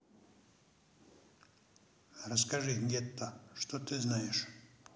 расскажи гетто что ты знаешь